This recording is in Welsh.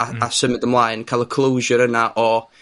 a a symud ymlaen, cal y closure yna o